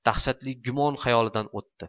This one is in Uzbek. dahshatli gumon xayolidan o'tdi